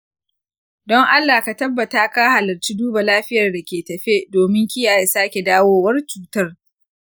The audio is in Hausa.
don allah ka tabbata ka halarci duba lafiyar dake tafe domin kiyaye sake dawowar cutar.